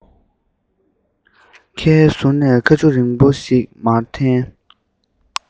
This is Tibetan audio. ཁའི ཟུར ནས ཁ ཆུ རིང པོ ཞིག མར འཐེན